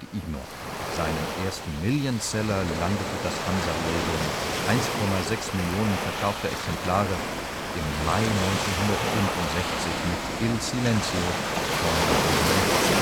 Ignor. Seinen ersten Millionseller landete das Hansa-Label mit 1,6 Millionen verkaufter Exemplare im Mai 1965 mit „ Il Silenzio “von Nini Rosso